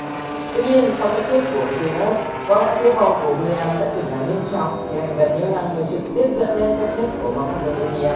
tuy nhiên sau cái chết của julius có lẽ phiếu bầu của william sẽ tụt giảm nghiêm trọng khi anh gần như là người trực tiếp dẫn đến cái chết của mpv đương nhiệm